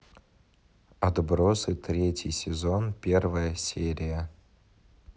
отбросы третий сезон первая серия